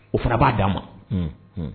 O fana b'a d dia ma